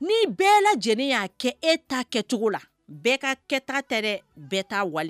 Ni' bɛɛ lajɛlen y'a kɛ e ta kɛcogo la bɛɛ ka kɛta tɛ bɛɛ taa wali